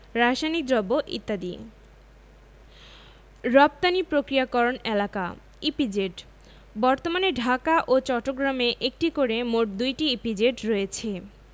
রাসায়নিক দ্রব্য ইত্যাদি রপ্তানি প্রক্রিয়াকরণ এলাকাঃ ইপিজেড বর্তমানে ঢাকা ও চট্টগ্রামে একটি করে মোট ২টি ইপিজেড রয়েছে